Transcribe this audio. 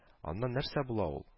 Аннан нәрсә була ул